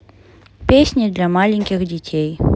песни для маленьких детей